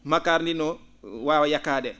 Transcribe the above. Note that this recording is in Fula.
makkaari ndii no waawa yakkaade